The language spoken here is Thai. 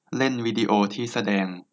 เล่นวิดีโอที่แสดง